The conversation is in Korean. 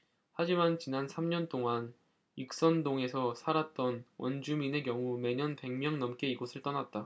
하지만 지난 삼 년동안 익선동에서 살았던 원주민의 경우 매년 백 명 넘게 이곳을 떠났다